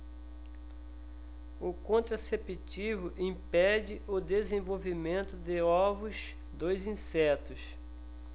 o contraceptivo impede o desenvolvimento de ovos dos insetos